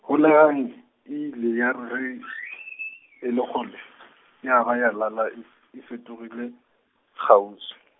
holegang, e ile ya re ge, e le kgole, ya ba ya lala e f-, e fetogile, kgauswi.